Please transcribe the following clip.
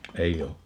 ei ole